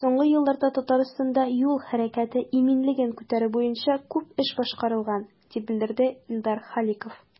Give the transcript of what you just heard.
Соңгы елларда Татарстанда юл хәрәкәте иминлеген күтәрү буенча күп эш башкарылган, дип белдерде Илдар Халиков.